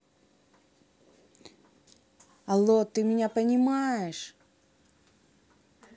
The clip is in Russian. алло ты меня понимаешь